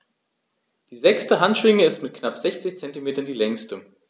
Die sechste Handschwinge ist mit knapp 60 cm die längste.